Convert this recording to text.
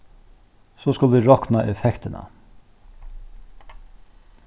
so skulu vit rokna effektina